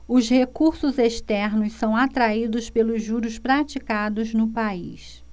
os recursos externos são atraídos pelos juros praticados no país